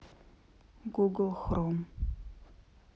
google chrome